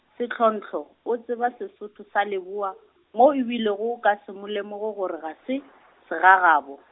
Shidondho o tseba Sesotho sa Leboa, mo e bilego o ka se mo lemoge gore ga se, segagabo.